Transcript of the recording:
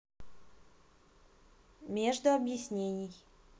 между объяснений